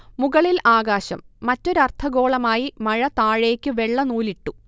മുകളിൽ ആകാശം, മറ്റൊരർദ്ധഗോളമായി മഴ താഴേക്ക് വെള്ളനൂലിട്ടു